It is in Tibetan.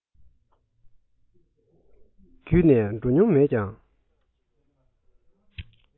བརྒྱུད ནས འགྲོ མྱོང མེད ཀྱང